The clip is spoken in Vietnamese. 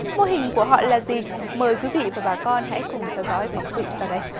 mô hình của họ là gì mời quý vị và bà con hãy cùng theo dõi phóng sự sau đây